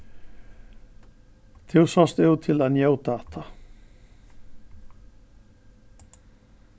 tú sást út til at njóta hatta